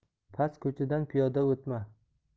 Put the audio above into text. past ko'chadan piyoda o'tma